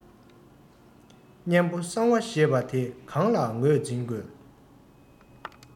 གཉན པོ གསང བ ཞེས པ དེ གང ལ ངོས འཛིན དགོས